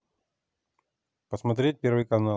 посмотреть первый канал